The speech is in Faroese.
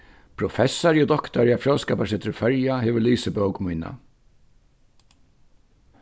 professari og doktari á fróðskaparsetri føroya hevur lisið bók mína